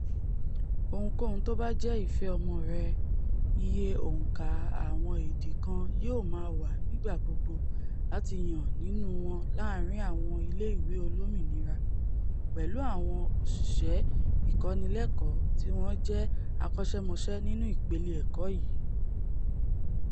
Ohunkóhun tóbájẹ́ ìfẹ́ ọmọ rẹ, iye òǹkà àwọn èdè kan yóò máa wà nigba gbogbo láti yàn nínú wọn láàrim àwọn ilé-iwé olómìnira, pẹ̀lú àwọn òṣìṣẹ́ ìkọ́nilẹ́kọ̀ọ́ tíwọ́n jẹ́ akọ́ṣẹ́mọṣẹ́ nínú ipele ẹ̀kọ́ yìí.